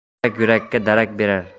yurak yurakka darak berar